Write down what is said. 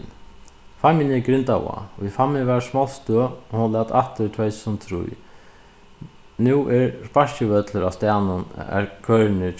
fámjin er grindavág í fámjin var smoltstøð hon læt aftur í tvey túsund og trý nú er sparkivøllur á staðnum har kørini